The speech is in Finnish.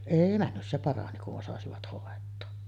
ei mennyt se parani kun osasivat hoitaa